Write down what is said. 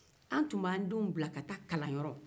an tun bɛ an denw bila ka taa kalanyɔrɔ